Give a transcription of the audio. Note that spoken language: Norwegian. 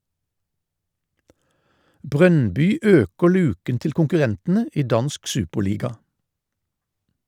Brøndby øker luken til konkurrentene i dansk superliga.